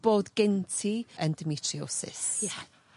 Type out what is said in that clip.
bod gin ti endometriosis? Ie.